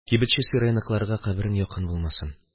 – кибетче сирайныкыларга каберең якын булмасын...